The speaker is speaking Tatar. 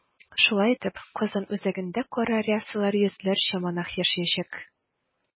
Шулай итеп, Казан үзәгендә кара рясалы йөзләрчә монах яшәячәк.